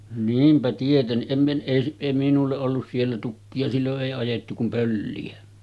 niinpä tietenkin en - ei - ei minulle ollut siellä tukkia silloin ei ajettu kuin pölliä